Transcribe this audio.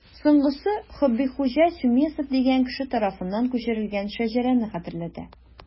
Соңгысы Хөббихуҗа Тюмесев дигән кеше тарафыннан күчерелгән шәҗәрәне хәтерләтә.